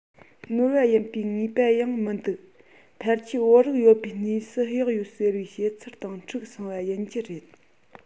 ནོར བ ཡིན པའི ངེས པ ཡང མི འདུག ཕལ ཆེར བོད རིགས ཡོད པའི གནས སུ གཡག ཡོད ཟེར བའི བཤད ཚུལ དང འཁྲུག སོང བ ཡིན རྒྱུ རེད